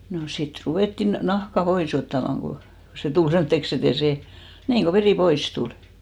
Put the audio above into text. no sitten ruvettiin nahkaa pois ottamaan kun se tuli semmoiseksi että ei se niin kun veri pois tuli